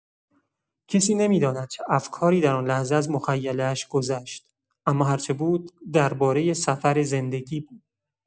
کسی نمی‌داند چه افکاری در آن لحظه از مخیله‌اش گذشت، اما هرچه بود، درباره سفر زندگی بود.